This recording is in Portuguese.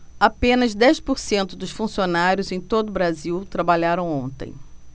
apenas dez por cento dos funcionários em todo brasil trabalharam ontem